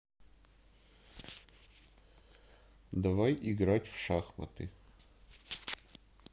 давай играть в шахматы